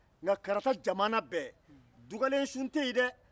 nka karata jamana bɛɛ dubalensun tɛ yen dɛ